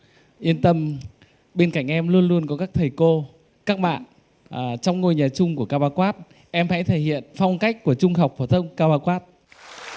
yên tâm bên cạnh em luôn luôn có các thầy cô các bạn ở trong ngôi nhà chung của cao bá quát em hãy thể hiện phong cách của trung học phổ thông cao bá quát